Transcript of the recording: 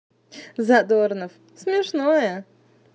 задорнов смешное